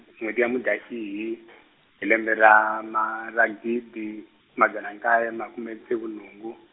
nweti ya Mudyaxihi , hi lembe ra ma- ra gidi, madzana nkaye makume ntsevu nhungu.